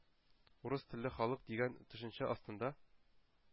«урыс телле халык» дигән төшенчә астында